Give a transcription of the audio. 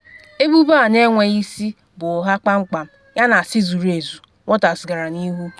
“Ebubo a n’enwegh isi bụ ụgha kpamkpam yana asị zuru ezu,”Waters gara n’ihu.